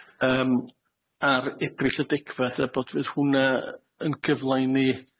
yym ar Ebrill y degfad, a bod fydd hwnna yn gyfla i ni